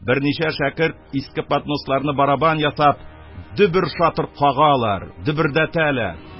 Берничә шәкерт, иске подносларны барабан ясап, дөбер-шатыр кагалар, дөбердәтәләр...